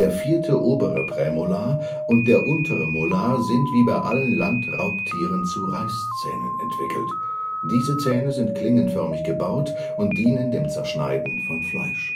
vierte obere Prämolar und der untere Molar sind wie bei allen Landraubtieren zu Reißzähnen entwickelt; diese Zähne sind klingenförmig gebaut und dienen dem Zerschneiden von Fleisch